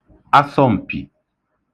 asọm̀pì